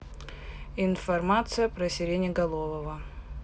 информация про сиреноголового